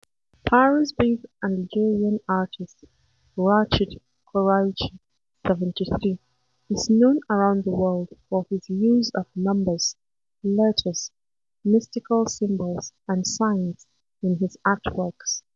Paris-based Algerian artist Rachid Koraichi, 73, is known around the world for his use of numbers, letters, mystical symbols and signs in his artworks.